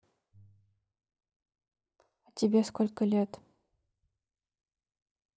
а тебе сколько лет